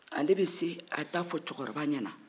ale bɛ sin a bɛ taa fɔ cɛkɔrɔba ɲɛna